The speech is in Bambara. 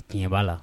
Tiɲɛ b'a la